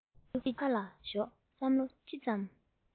ཤེས རྒྱུ ཕར ཞོག བསམ བློ ཅི ཙམ